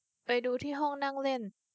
ไปดูที่ห้องนั่งเล่น